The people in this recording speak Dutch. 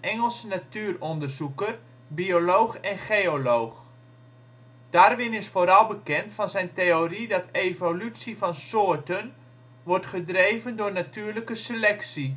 Engels natuuronderzoeker, bioloog en geoloog. Darwin is vooral bekend van zijn theorie dat evolutie van soorten wordt gedreven door natuurlijke selectie.